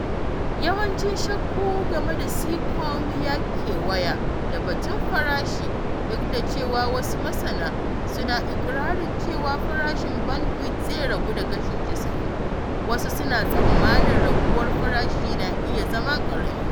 Yawancin shakku game da Seacom yana kewaye da batun farashi: duk da cewa wasu masana suna ikirarin cewa farashin bandwidth zai ragu da kashi 90, wasu suna tsammanin raguwar farashin na iya zama ƙarami.